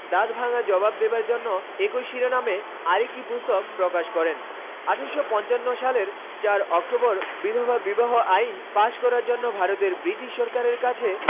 দাঁতভাঙ্গা জবাব দেবার জন্য একই শিরোনামে আর একটি পুস্তক প্রকাশ করেন ১৮৫৫ সালের ৪ অক্টোবর বিধবা বিবাহ আইন পাশ করার জন্য ভারতের ব্রিটিশ সরকারের কাছে